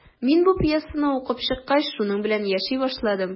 Мин бу пьесаны укып чыккач, шуның белән яши башладым.